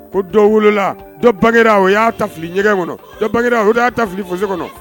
Ko dɔ wolola dɔ bange o y' ta fili ɲɛgɛn kɔnɔ dɔ o y'a ta fili fose kɔnɔ